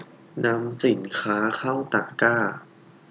นำสินค้าเข้าตะกร้า